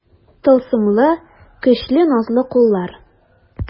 Тылсымлы, көчле, назлы куллар.